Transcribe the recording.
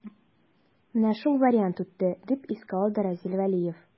Менә шул вариант үтте, дип искә алды Разил Вәлиев.